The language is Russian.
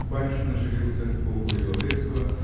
Паншин оживился по уходе Лаврецкого